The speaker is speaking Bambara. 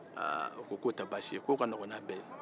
aaa o ko k'o tɛ basi ye k'o ka nɔgɔ n'a bɛɛ ye